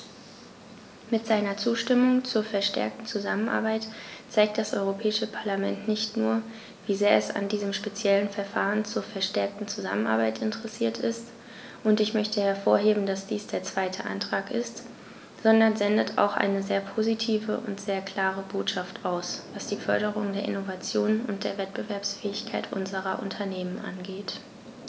Mit seiner Zustimmung zur verstärkten Zusammenarbeit zeigt das Europäische Parlament nicht nur, wie sehr es an diesem speziellen Verfahren zur verstärkten Zusammenarbeit interessiert ist - und ich möchte hervorheben, dass dies der zweite Antrag ist -, sondern sendet auch eine sehr positive und sehr klare Botschaft aus, was die Förderung der Innovation und der Wettbewerbsfähigkeit unserer Unternehmen angeht.